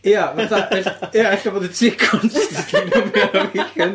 Ia, fatha ell- ia, ella bod y tŷ constantly'n hymian o facon!